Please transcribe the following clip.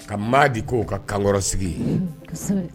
Ka maa de koo ka kanyɔrɔ sigi yen